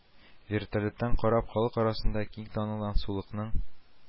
Вертолеттан карап, халык арасында киң танылган сулыкның